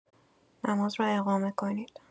نماز را اقامه کنید